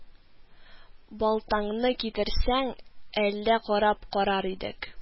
Балтаңны китерсәң, әллә карап карар идек